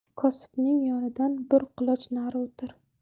kosibning yonidan bir quloch nari o'tir